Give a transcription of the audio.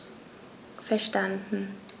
Verstanden.